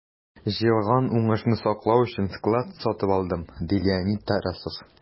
Җыелган уңышны саклау өчен склад сатып алдым, - ди Леонид Тарасов.